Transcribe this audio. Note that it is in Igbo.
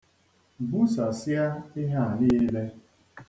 Busasịa ihe a niile.